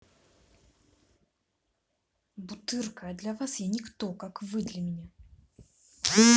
бутырка а для вас я никто как вы для меня